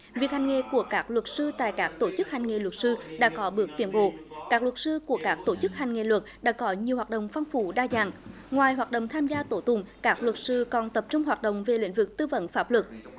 việc hành nghề của các luật sư tại các tổ chức hành nghề luật sư đã có bước tiến bộ các luật sư của các tổ chức hành nghề luật đã có nhiều hoạt động phong phú đa dạng ngoài hoạt động tham gia tố tụng các luật sư còn tập trung hoạt động về lĩnh vực tư vấn pháp luật